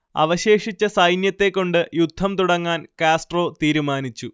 അവശേഷിച്ച സൈന്യത്തെക്കൊണ്ട് യുദ്ധം തുടങ്ങാൻ കാസ്ട്രോ തീരുമാനിച്ചു